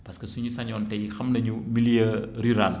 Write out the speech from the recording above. parce que suñu sañoon tay xam nañu milieu rural